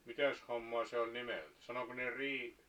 mitäs hommaa se oli nimeltä sanoiko ne -